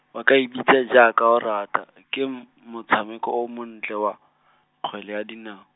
o ka e bitsa jaaka o rata, ke m-, motshameko o montle wa , kgwele ya dinao.